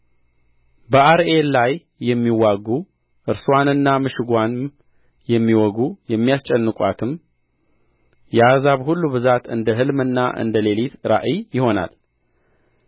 በአርኤልም ላይ የሚዋጉ እርስዋንና ምሽግዋንም የሚወጉ የሚያስጨንቋትም የአሕዛብ ሁሉ ብዛት እንደ ሕልምና እንደ ሌሊት ራእይ ይሆናል